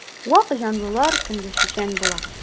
Вак җанлылар көнләшүчән була.